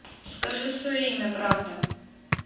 скажи свое имя правда